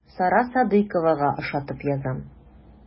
Сара Садыйковага ошатып язам.